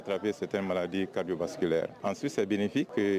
A taarapsɛte maradi ka jɔfasigi an sisan bnifin